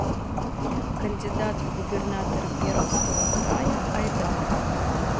кандидат в губернаторы пермского края айдаков